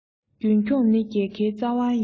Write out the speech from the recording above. རྒྱུན འཁྱོངས ནི རྒྱལ ཁའི རྩ བ ཡིན